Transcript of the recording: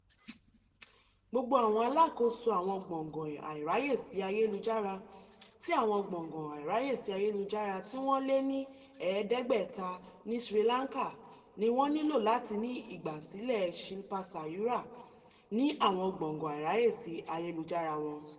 Gbogbo àwọn alákòóso àwọn gbọ̀ngàn ìráàyèsí ayélujára ti àwọn gbọ̀ngán ìráàyèsí ayélujára tí wọ́n lé ní 500 ní Sri Lanka ni wọ́n nílò láti ní ìgbàsílẹ̀ Shilpa Sayura ní àwọn gbọ̀ngàn ìráàyèsí ayélujára wọn.